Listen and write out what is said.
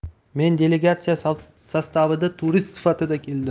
men delegatsiya sostavida turist sifatida keldim